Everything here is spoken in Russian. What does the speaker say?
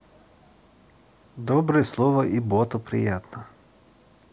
доброе слово и боту приятно